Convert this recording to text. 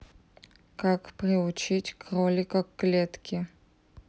как приучить кролика к клетке